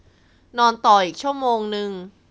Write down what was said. นอนต่ออีกชั่วโมงนึง